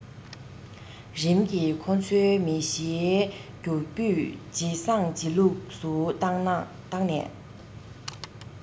རིམ གྱིས ཁོ ཚོའི མི གཞིའི རྒྱུ སྤུས ཇེ བཟང ཇེ ལེགས སུ བཏང ནས